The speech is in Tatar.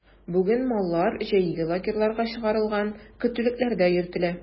Бүген маллар җәйге лагерьларга чыгарылган, көтүлекләрдә йөртелә.